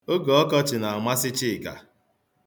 Oge ọkọchị na-amasị Chika.